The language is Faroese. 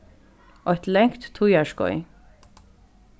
eitt langt tíðarskeið